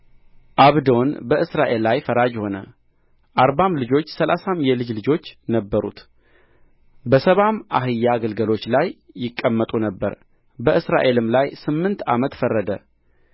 ዓብዶን በእስራኤል ላይ ፈራጅ ሆነ አርባም ልጆች ሠላሳም የልጅ ልጆች ነበሩት በሰባም አህያ ግልገሎች ላይ ይቀመጡ ነበር በእስራኤልም ላይ ስምንት ዓመት ፈረደ